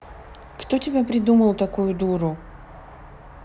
кто тебя придумал такую дуру